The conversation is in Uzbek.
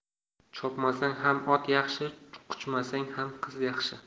chopmasang ham ot yaxshi quchmasang ham qiz yaxshi